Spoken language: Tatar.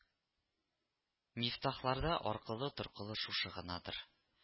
– мифтахларда аркылы-торкылы шушы гынадыр